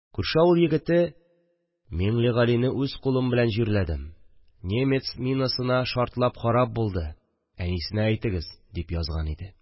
Күрше авыл егете: «Миңлегалине үз кулым белән җирләдем, нимес минасына шартлап харап булды, әнисенә әйтегез», – дип язган иде